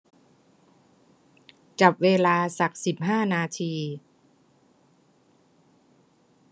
จับเวลาสักสิบห้านาที